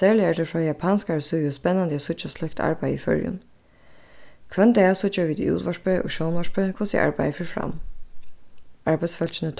serliga er tað frá japanskari síðu spennandi at síggja slíkt arbeiði í føroyum hvønn dag síggja vit í útvarpi og sjónvarpi hvussu arbeiðið fer fram arbeiðsfólkini